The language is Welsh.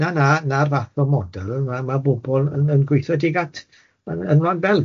Na na, 'na'r fath o model, ma' ma' bobol yn yn gweithio tuag at yn yn Wlad Belg.